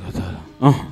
A taa'a la